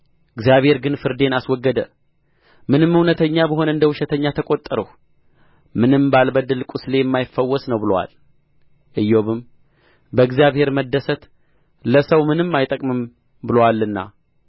እግዚአብሔር ግን ፍርዴን አስወገደ ምንም እውነተኛ ብሆን እንደ ውሸተኛ ተቈጠርሁ ምንም ባልበድል ቍስሌ የማይፈወስ ነው ብሎአል ኢዮብም በእግዚአብሔር መደሰት ለሰው ምንም አይጠቅምም ብሎአልና